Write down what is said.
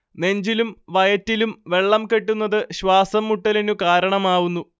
നെഞ്ചിലും വയറ്റിലും വെള്ളം കെട്ടുന്നത് ശ്വാസം മുട്ടലിനു കാരണമാവുന്നു